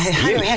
stilig.